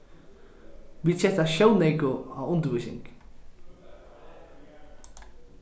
vit seta sjóneyku á undirvísing